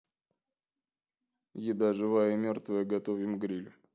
еда живая и мертвая готовим гриль